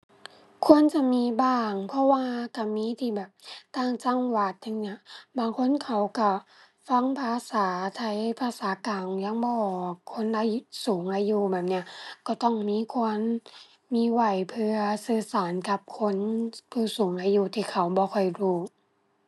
ควรจะมีบ้าง เพราะว่าก็มีที่แบบต่างจังหวัดอย่างเนี้ย บางคนเขาก็ฟังภาษาไทย ภาษากลางยังบ่ออก คนอายุ สูงอายุแบบเนี้ย ก็ต้องมีควร มีไว้เพื่อสื่อสารกับคนผู้สูงอายุที่เขาบ่ค่อยรู้